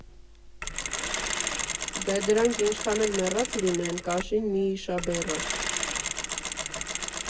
Դե, դրանք ինչքան էլ մեռած լինեն, կաշին մի իշաբեռ ա։